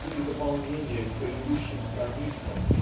в виде дополнения к предыдущим страницам